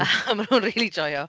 A maen nhw'n rili joio.